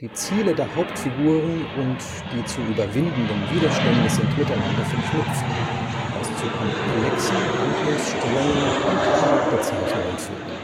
Ziele der Hauptfiguren und die zu überwindenden Widerstände sind miteinander verknüpft, was zu komplexeren Handlungssträngen und Charakterzeichnungen führt